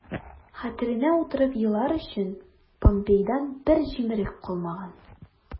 Хәтеренә утырып елар өчен помпейдан бер җимерек калмаган...